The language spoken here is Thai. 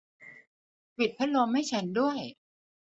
ปิดพัดลมให้ฉันด้วย